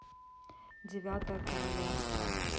девятое королевство